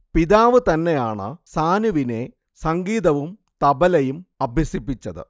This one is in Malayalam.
പിതാവ് തന്നെയാണ് സാനുവിനെ സംഗീതവും തബലയും അഭ്യസിപ്പിച്ചത്